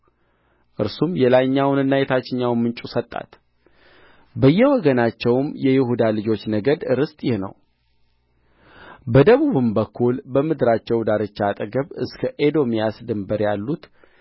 እርሱም የላይኛውንና የታችኛውን ምንጭ ሰጣት በየወገኖቻቸውም የይሁዳ ልጆች ነገድ ርስት ይህ ነው በደቡብም በኩል በምድራቸው ዳርቻ አጠገብ እስከ ኤዶምያስ ድንበር ያሉት